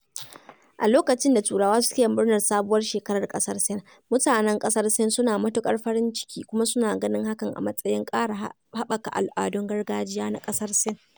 A lokacin da Turawa suke murnar Sabuwar Shekarar ƙasar Sin, mutanen ƙasar Sin suna matuƙar farin ciki kuma suna ganin hakan a matsayin ƙara haɓaka al'adun gargajiya na ƙasar Sin…